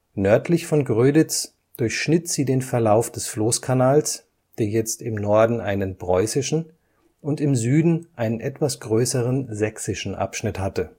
Nördlich von Gröditz durchschnitt sie den Verlauf des Floßkanals, der jetzt im Norden einen preußischen und im Süden einen etwas größeren sächsischen Abschnitt hatte